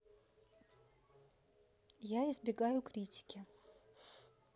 я избегаю критики